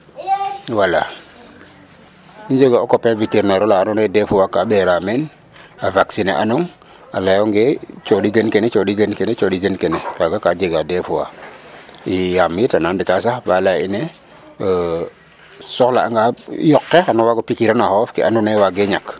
Wala i njega o copain véterinaire ola andoona yee dés fois kaa ɓeeraa meen a vacciné anong a layonge cooɗi den kene cooɗi den kene cooɗi den kene .Kaaga ka jegaa dés fois i yaam it a naa ndetaa sax ba laya ine o soxlaanga yoq ke xan o waag o pikiran o xooxof ke andoona yee waagee ñak.